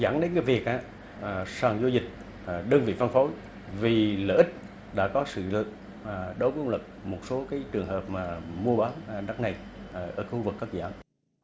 dẫn đến việc gì cả sàn giao dịch đơn vị phân phối vì lợi ích đã có sử dụng mà đối với lực một số các trường hợp mà mua bán đất này ở khu vực cắt giảm